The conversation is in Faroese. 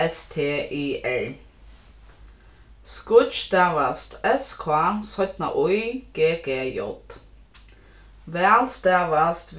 s t i r skýggj stavast s k ý g g j væl stavast